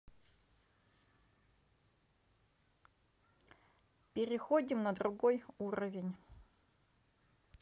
переходим на другой уровень